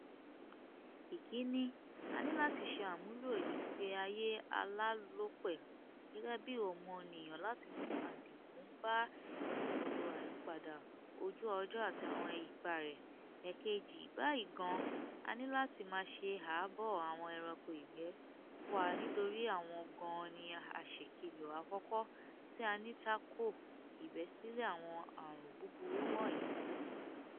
"Ìkínní, a ní láti ṣe àmúlò ìgbé ayé alálòpẹ́ gẹ́gẹ́ bí ọmọnìyàn láti mú àdínkù bá ìrorò àyípadà ojú-ọjọ́ àti àwọn ipa rẹ̀; èkejì, báyìí gan, a ní láti máa ṣe ààbò àwọn ẹranko ìgbẹ́ wa nítorí àwọn gan ni aṣèkìlọ̀ àkọ́kọ́ tí a ní tako ìbẹ́sílẹ̀ àwọn àrùn búburú wọ̀nyìí."